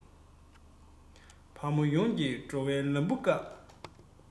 བ མོ ཡོངས ཀྱི འགྲོ བའི ལམ བུ བཀག